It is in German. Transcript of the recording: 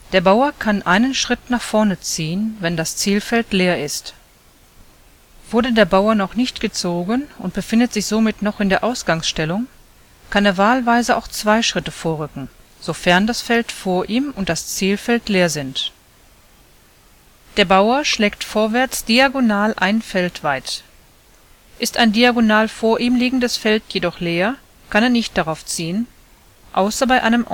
der Bauer kann einen Schritt nach vorne ziehen, wenn das Zielfeld leer ist. Wurde der Bauer noch nicht gezogen und befindet sich somit noch in der Ausgangsstellung, kann er wahlweise auch zwei Schritte vorrücken, sofern das Feld vor ihm und das Zielfeld leer sind. Der Bauer schlägt vorwärts diagonal ein Feld weit. Ist ein diagonal vor ihm liegendes Feld jedoch leer, kann er nicht darauf ziehen (außer bei einem